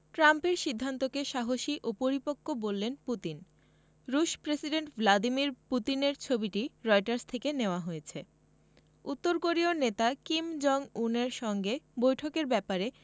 ট্রাম্পের সিদ্ধান্তকে সাহসী ও পরিপক্ব বললেন পুতিন রুশ প্রেসিডেন্ট ভ্লাদিমির পুতিনের ছবিটি রয়টার্স থেকে নেয়া হয়েছে উত্তর কোরীয় নেতা কিম জং উনের সঙ্গে বৈঠকের ব্যাপারে